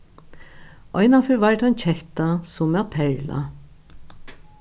einaferð var tað ein ketta sum æt perla